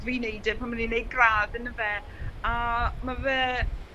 fi neud e pan o'n i'n neud gradd on'd yfe? A ma' fe